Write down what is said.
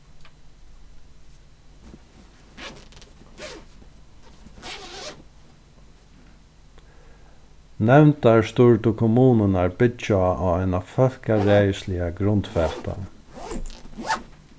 nevndarstýrdu kommunurnar byggja á eina fólkaræðisliga grundfatan